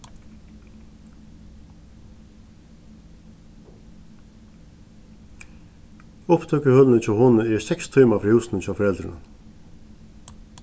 upptøkuhølini hjá honum eru seks tímar frá húsunum hjá foreldrunum